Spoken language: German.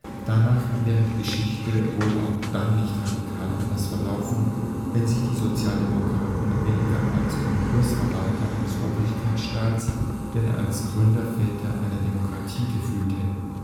Danach wäre die Geschichte wohl auch dann nicht radikal anders verlaufen, wenn sich die Sozialdemokraten weniger als Konkursverwalter eines Obrigkeitsstaats denn als Gründerväter einer Demokratie gefühlt hätten